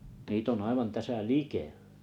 niitä on aivan tässä likellä